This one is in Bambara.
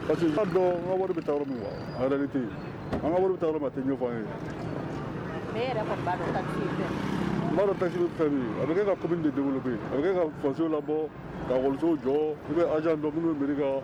Parce que dɔn wari bɛ ta min an ka ta tɛ yɛrɛ fɛn a bɛ ka kɔmi de a bɛ kaw labɔ kaso jɔ bɛ a dɔ